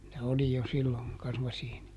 ne oli jo silloin kasmasiini